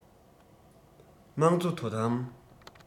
དམངས གཙོ དོ དམ